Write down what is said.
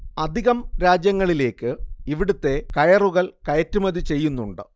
അധികം രാജ്യങ്ങളിലേക്ക് ഇവിടത്തെ കയറുകൾ കയറ്റുമതി ചെയ്യുന്നുണ്ട്